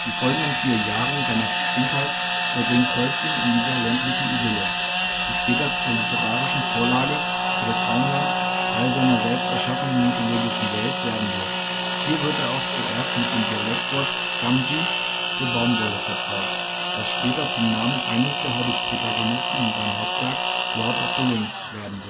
folgenden vier Jahre seiner Kindheit verbringt Tolkien in dieser ländlichen Idylle, die später zur literarischen Vorlage für das Auenland, Teil seiner selbsterschaffenen mythologischen Welt, werden wird. Hier wird er auch zuerst mit dem Dialektwort Gamgee für Baumwolle vertraut, das später zum Namen eines der Hobbit-Protagonisten in seinem Hauptwerk Lord of the Rings werden wird